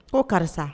Paul karisa